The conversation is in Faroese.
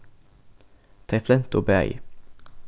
tey flentu bæði